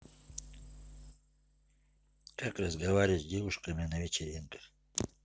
как разговаривать с девушками на вечеринках